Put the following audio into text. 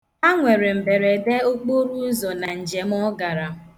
Ha nwere mberede okporoụzọ na njem ọ gara.